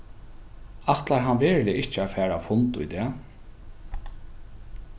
ætlar hann veruliga ikki at fara á fund í dag